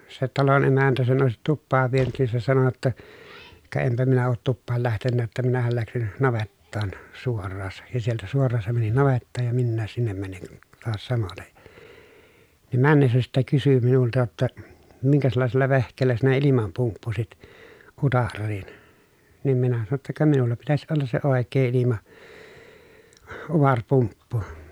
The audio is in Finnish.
se talon emäntä sen olisi tupaan vienyt niin se sanoi jotta ka enpä minä ole tupaan lähtenytkään että minähän lähdin navettaan suoraan ja sieltä suoraan se meni navettaan ja minäkin sinne menin kun taas samoiten ja niin mennessä sitten kysyi minulta jotta minkäslaisella vehkeellä sinä ilman pumppusit utareisiin niin minä sanoin jotta ka minulla pitäisi olla se oikea - ilmautarepumppu